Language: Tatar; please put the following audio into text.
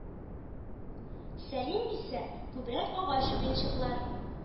Сәлим исә күбрәк агач уенчыклар,